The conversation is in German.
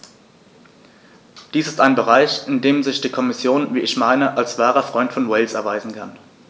Dies ist ein Bereich, in dem sich die Kommission, wie ich meine, als wahrer Freund von Wales erweisen kann.